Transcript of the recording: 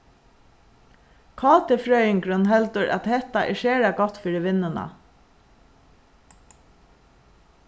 kt-frøðingurin heldur at hetta er sera gott fyri vinnuna